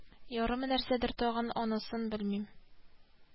Ярыймы тагын нәрсәдер ансын белмим